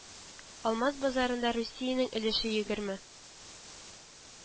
Алмаз базарында русиянең өлеше егерме